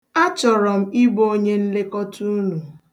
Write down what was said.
Achọrọ m ịbụ onyenlekọta unu.